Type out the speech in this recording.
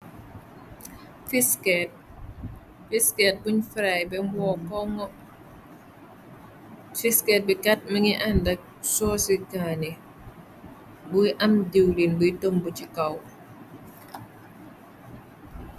Priskete buñ fray bem woo ponng. Priskete bi kat mangi àndak soosi kaani buy am diwlin buy tëmb ci kaw.